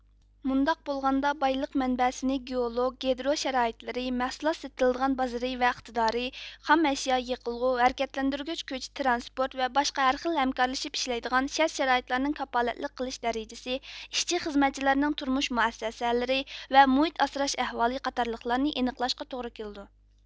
مۇنداق بولغاندا بايلىق مەنبەسىنى گېئولوگ گىدرو شارائىتلىرى مەھسۇلات سېتىلىدىغان بازىرى ۋە ئىقتىدارى خام ئەشيا يېقىلغۇ ھەرىكەتلەندۈرگۈچ كۈچ ترانسپورت ۋە باشقا ھەر خىل ھەمكارلىشىپ ئىشلەيدىغان شەرت شارائىتلارنىڭ كاپالەتلىك قىلىش دەرىجىسى ئىشچى خىزمەتچىلەرنىڭ تۇرمۇش مۇئەسسەسەلىرى ۋە مۇھىت ئاسراش ئەھۋالى قاتارلىقلارنى ئېنىقلاشقا توغرا كېلىدۇ